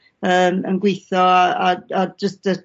yym yn gweitho a a a jyst yy